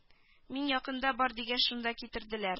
Мин якында бар дигәч шунда китерделәр